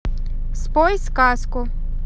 спой сказку